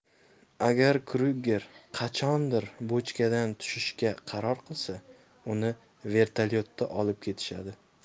agar kryuger qachondir bochkadan tushishga qaror qilsa uni vertolyotda olib ketishadi